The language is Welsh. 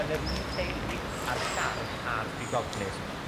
yn yr un teulu a'r chard a'r sbigoglys.